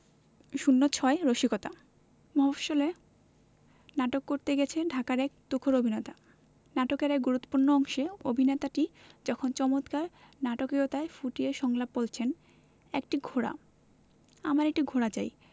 ০৬ রসিকতা মফশ্বলে নাটক করতে গেছে ঢাকার এক তুখোর অভিনেতা নাটকের এক গুরুত্তপূ্র্ণ অংশে অভিনেতাটি যখন চমৎকার নাটকীয়তা ফুটিয়ে সংলাপ বলছেন একটি ঘোড়া আমার একটি ঘোড়া চাই